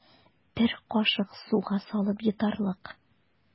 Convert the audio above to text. Бер кашык суга салып йотарлык.